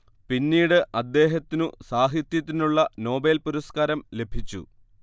പിന്നീട് അദ്ദേഹത്തിനു സാഹിത്യത്തിനുള്ള നോബേൽ പുരസ്കാരം ലഭിച്ചു